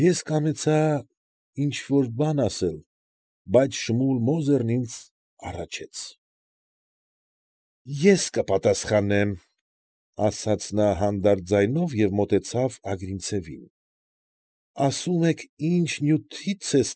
Ես կամեցա ինչ֊որ ասել, բայց Շմուլ Մոզերն ինձ առաջեց։ ֊ Ես կպատասխանեմ,֊ ասաց նա հանդարտ ձայնով և մոտեցավ Ագրինցևին։֊ Ասում եք ինչ նյութից է։